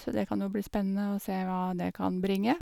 Så det kan jo bli spennende å se hva det kan bringe.